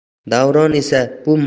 davron esa bu